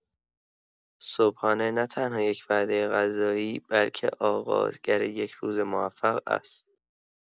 صبحانه نه‌تنها یک وعده غذایی، بلکه آغازگر یک روز موفق است.